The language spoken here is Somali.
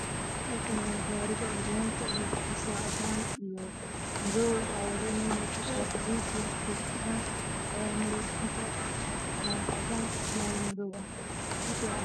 Meeshaan waa meel banaan oo ciid ah waxaa jooga dad waxaa ii muuqata nin mooto saaran yahay